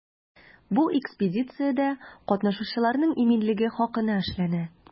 Бу экспедициядә катнашучыларның иминлеге хакына эшләнә.